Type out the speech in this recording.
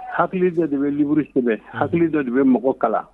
Ha dɔ de bɛ buru kosɛbɛbɛ ha dɔ de bɛ mɔgɔkala